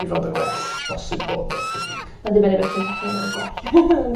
i fod yn well bosib bod o chydig. Ma'n dibynnu be ti'n fe fel gwell.